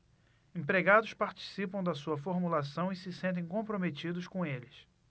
empregados participam da sua formulação e se sentem comprometidos com eles